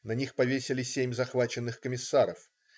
На них повесили семь захваченных комиссаров.